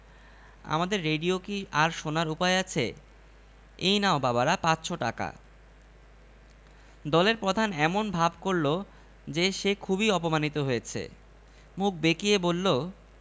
মুখলেস সাহেব স্থানীয় homeopath doctor তাঁর ডাক্তারখানাই সিদ্দিক সাহেবের নির্বাচনী অফিস কুমীর প্রতীকের খবর স্থানীয় জনগণকে পৌঁছে দেবার জন্যে মুখলেস সাহেব কিছুক্ষণ আগে একটা